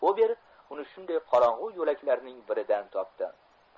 ober uni shunday qorong'u yo'laklarning biridan topdi